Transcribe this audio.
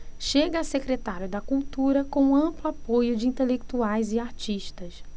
chega a secretário da cultura com amplo apoio de intelectuais e artistas